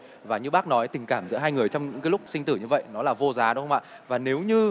và như bác nói tình cảm giữa hai người trong những cái lúc sinh tử như vậy nó là vô giá đúng không ạ và nếu như